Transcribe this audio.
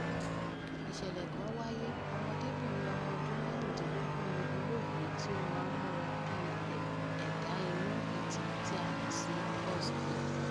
Ìṣẹ̀lẹ̀ kan wáyé, ọmọdébìnrin ọmọ ọdún 15 ni olóògbé tí ó máa ń múra bí ẹ̀dá-inú ìtàn tí a mọ̀ sí cosplay.